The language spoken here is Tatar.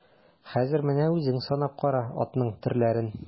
Хәзер менә үзең санап кара атның төрләрен.